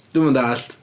Dwi'm yn dallt.